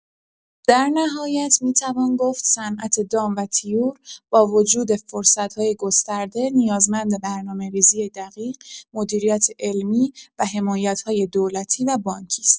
در نهایت می‌توان گفت صنعت دام و طیور با وجود فرصت‌های گسترده، نیازمند برنامه‌ریزی دقیق، مدیریت علمی و حمایت‌های دولتی و بانکی است.